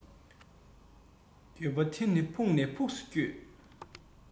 འགྱོད པ དེ ནི ཕུགས ནས ཕུགས སུ འགྱོད